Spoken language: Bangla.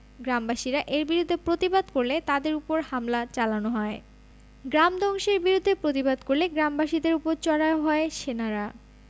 গ্রামবাসীরা এর বিরুদ্ধে প্রতিবাদ করলে তাদের ওপর হামলা চালানো হয় গ্রাম ধ্বংসের বিরুদ্ধে প্রতিবাদ করলে গ্রামবাসীদের ওপর চড়াও হয় সেনারা